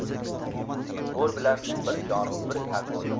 xor bilan bir jonu bir tan bo'ldim